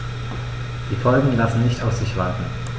Die Folgen lassen nicht auf sich warten.